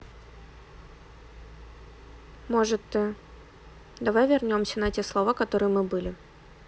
может ты давай вернемся на те слова которые мы были